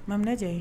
Maminɛ diya ye